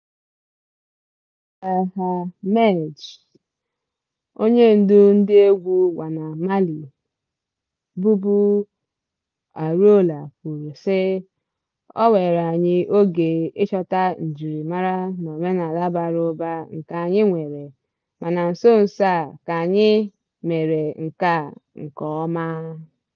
Zouheir Mejd, onyendu ndịegwu Wana Mali (bụbu Aurora) kwuru, sị: "O were anyị oge ịchọta njirimara n'omenala bara ụba nke anyị nwere, mana nso nso a ka anyị mere nke a nke ọma."